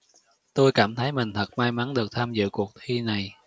tôi cảm thấy mình thật may mắn được tham dự cuộc thi này